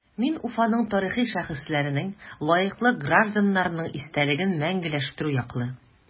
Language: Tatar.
Мин Уфаның тарихи шәхесләренең, лаеклы гражданнарның истәлеген мәңгеләштерү яклы.